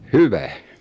hyvä